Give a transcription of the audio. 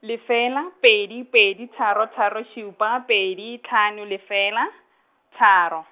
lefela, pedi pedi tharo tharo šupa, pedi hlano lefela, tharo.